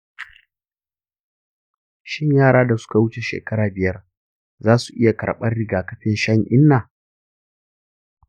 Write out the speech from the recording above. shin yara da suka wuce shekaru biyar za su iya karɓar rigakafin shan-inna?